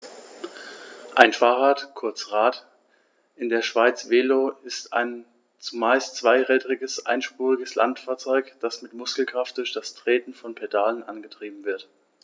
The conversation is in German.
Ein Fahrrad, kurz Rad, in der Schweiz Velo, ist ein zumeist zweirädriges einspuriges Landfahrzeug, das mit Muskelkraft durch das Treten von Pedalen angetrieben wird.